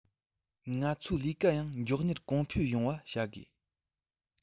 ང ཚོའི ལས ཀ ཡང མགྱོགས མྱུར གོང འཕེལ ཡོང བ བྱ དགོས